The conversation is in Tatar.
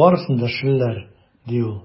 барысын да эшлиләр, - ди ул.